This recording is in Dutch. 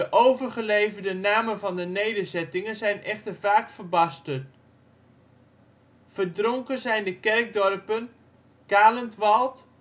overgeleverde namen van de nederzettingen zijn echter vaak verbasterd. Verdronken zijn de kerkdorpen Kalentwalt